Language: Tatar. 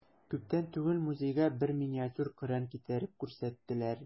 Күптән түгел музейга бер миниатюр Коръән китереп күрсәттеләр.